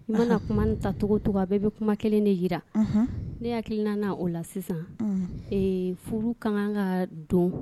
N bɛna kuma nin ta cogo o cogo a bɛɛ bɛ kuma kelen de jira. Unhun. Ne hakilina la o la sisan. Unhun. Ee furu ka kan ka don